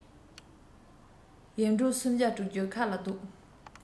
ཡེ འབྲོག སུམ བརྒྱ དྲུག ཅུའི ཁ ལ བཟློག